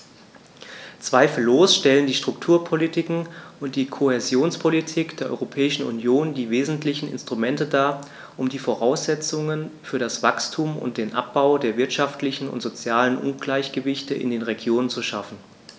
Zweifellos stellen die Strukturpolitiken und die Kohäsionspolitik der Europäischen Union die wesentlichen Instrumente dar, um die Voraussetzungen für das Wachstum und den Abbau der wirtschaftlichen und sozialen Ungleichgewichte in den Regionen zu schaffen.